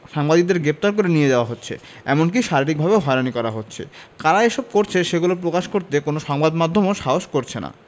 সাংবাদিকদের গ্রেপ্তার করে নিয়ে যাওয়া হচ্ছে এমনকি শারীরিকভাবেও হয়রানি করা হচ্ছে কারা এসব করছে সেগুলো প্রকাশ করতে কোনো সংবাদ মাধ্যমও সাহস করছে না